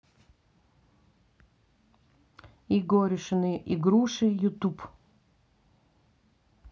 игорюшины игруши ютуб